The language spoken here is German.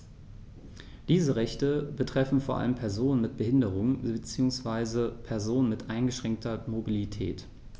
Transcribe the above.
Diese Rechte betreffen vor allem Personen mit Behinderung beziehungsweise Personen mit eingeschränkter Mobilität.